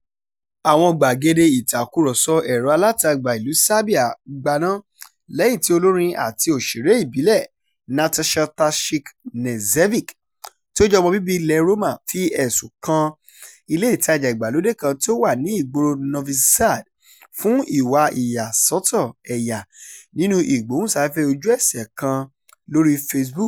Àwọn gbàgede ìtàkùrọ̀sọ ẹ̀rọ-alátagbà ìlú Serbia gbaná lẹ́yìn tí olórin àti òṣèré ìbílẹ̀ Nataša Tasić Knežević, tí ó jẹ́ ọmọ bíbí ilẹ̀ Roma fi ẹ̀sùn kan ilé ìtajà-ìgbàlóde kan tí ó wà ní ìgboro Novi Sad fún ìwà ìyàsọ́tọ̀ ẹ̀yà nínú ìgbóhùnsáfẹ́fẹ́ ojú-ẹsẹ̀ kan lórí Facebook.